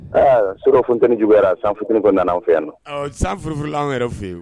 Aa so fonton juguyara san ftiniko nanaan fɛ yan na san furuuruur an yɛrɛ f fɛ yen